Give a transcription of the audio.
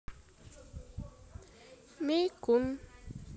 мейкун